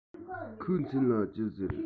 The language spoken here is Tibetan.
ཁོའི མཚན ལ ཅི ཟེར